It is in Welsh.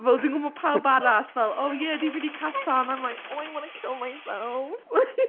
fel, dwi’n gwybod pawb arall fel, oh yeah ni'n mynd i Qatar I’m like, oh, I want to kill myself!